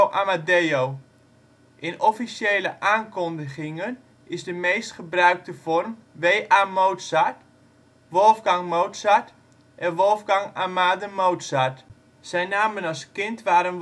Amadeo. In officiële aankondigingen is de meest gebruikte vorm W.A.Mozart, Wolfgang Mozart en Wolfgang Amade Mozart. Zijn namen als kind waren